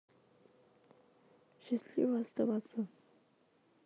счастливо оставаться